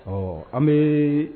Ɔ an bɛ